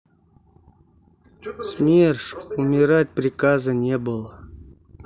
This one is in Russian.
смерш умирать приказа не было